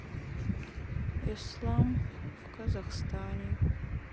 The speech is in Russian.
ислам в казахстане